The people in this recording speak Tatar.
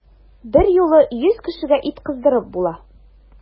Берьюлы йөз кешегә ит кыздырып була!